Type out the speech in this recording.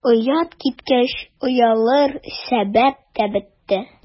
Оят киткәч, оялыр сәбәп тә бетте.